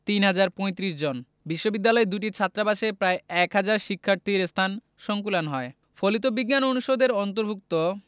৩ হাজার ৩৫ জন বিশ্ববিদ্যালয়ের দুটি ছাত্রাবাসে প্রায় এক হাজার শিক্ষার্থীর স্থান সংকুলান হয় ফলিত বিজ্ঞান অনুষদের অন্তর্ভুক্ত